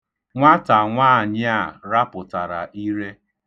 Nwata nwaanyị a rapụtara ire.